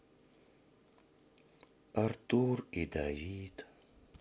артур и давид